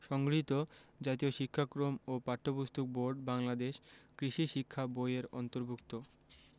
সংগৃহীত জাতীয় শিক্ষাক্রম ও পাঠ্যপুস্তক বোর্ড বাংলাদেশ কৃষি শিক্ষা বই এর অন্তর্ভুক্ত